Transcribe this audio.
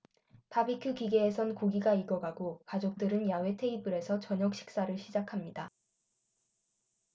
바비큐 기계에선 고기가 익어가고 가족들은 야외 테이블에서 저녁식사를 시작합니다